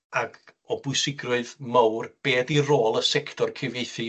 ag o bwysigrwydd mowr, be' ydi rôl y sector cyfieithu